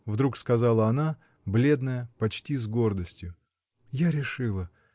— вдруг сказала она, бледная, почти с гордостью. — Я решила.